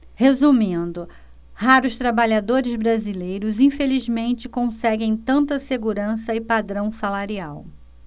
resumindo raros trabalhadores brasileiros infelizmente conseguem tanta segurança e padrão salarial